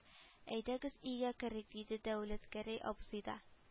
Әйдәгез өйгә керик диде дәүләтгәрәй абзый да